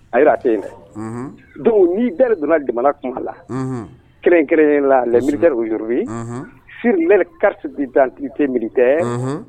A a tɛ yen dɛ don ni bere donna jamana tuma la kerɛn kelenrɛn la lɛmiyurbi siri bɛri kari bi dante mini kɛ